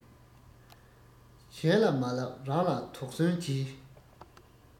གཞན ལ མ ལབ རང ལ དོགས ཟོན གྱིས